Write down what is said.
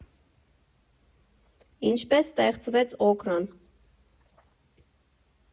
Ինչպես ստեղծվեց Օքրան։